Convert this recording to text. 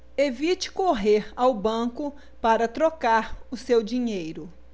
evite correr ao banco para trocar o seu dinheiro